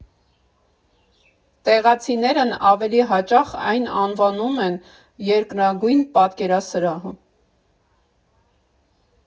Տեղացիներն ավելի հաճախ այն անվանում են Երկնագույն պատկերասրահ։